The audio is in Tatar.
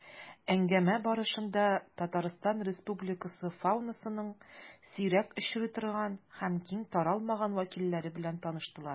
Әңгәмә барышында Татарстан Республикасы фаунасының сирәк очрый торган һәм киң таралмаган вәкилләре белән таныштылар.